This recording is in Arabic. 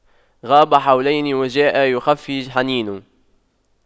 غاب حولين وجاء بِخُفَّيْ حنين